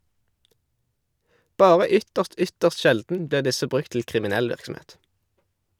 Bare ytterst, ytterst sjelden blir disse brukt til kriminell virksomhet.